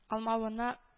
Алмавына